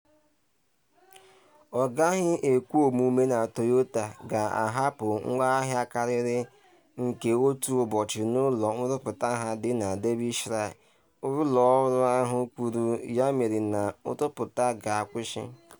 Ọ gaghị ekwe omume na Toyota ga-ahapụ ngwaahịa karịrị nke otu ụbọchị n’ụlọ nrụpụta ha dị na Derbyshire, ụlọ ọrụ ahụ kwuru, yamere na nrụpụta ga-akwụsị.